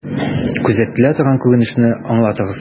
Күзәтелә торган күренешне аңлатыгыз.